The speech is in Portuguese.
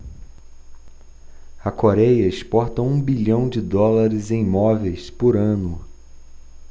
a coréia exporta um bilhão de dólares em móveis por ano